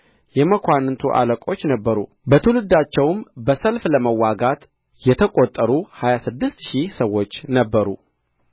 የመኳንንቱ አለቆች ነበሩ በትውልዳቸውም በሰልፍ ለመዋጋት የተቈጠሩ ሀያ ስድስት ሺህ ሰዎች ነበሩ